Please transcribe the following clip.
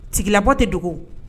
tigilamɔgɔ tɛ dogo.